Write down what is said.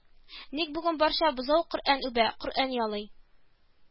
Ник бүген барча бозау Коръән үбә, Коръән ялый